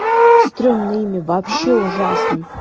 стремное имя вообще ужасно